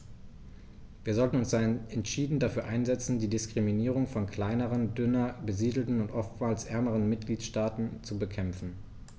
Wir sollten uns daher entschieden dafür einsetzen, die Diskriminierung von kleineren, dünner besiedelten und oftmals ärmeren Mitgliedstaaten zu bekämpfen.